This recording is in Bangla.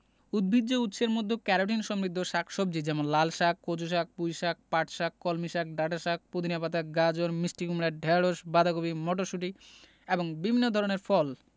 উদ্ভিজ্জ উৎসের মধ্যে ক্যারোটিন সমৃদ্ধ শাক সবজি যেমন লালশাক কচুশাক পুঁইশাক পাটশাক কলমিশাক ডাঁটাশাক পুদিনা পাতা গাজর মিষ্টি কুমড়া ঢেঁড়স বাঁধাকপি মটরশুঁটি এবং বিভিন্ন ধরনের ফল